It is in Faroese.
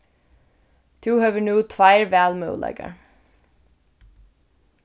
tú hevur nú tveir valmøguleikar